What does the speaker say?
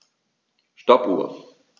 Stoppuhr.